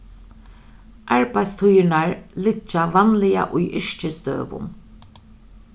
arbeiðstíðirnar liggja vanliga í yrkisdøgum